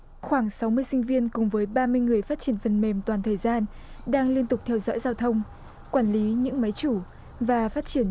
khoảng sáu mươi sinh viên cùng với ba mươi người phát triển phần mềm toàn thời gian đang liên tục theo dõi giao thông quản lý những máy chủ và phát triển